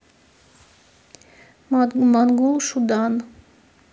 монгол шуудан